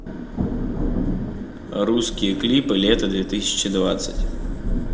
русские клипы лето две тысячи двадцать